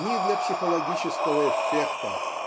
ни для психологического эффекта